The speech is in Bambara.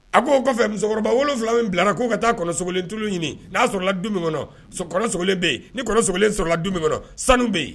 A ko o kɔfɛ musokɔrɔba wolofila min bila k'o ka taa kɔnɔ tulu ɲini na sɔrɔ bɛ yen sanu bɛ yen